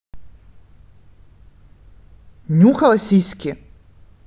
нюхала сиськи